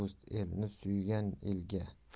do'st elni suygan elga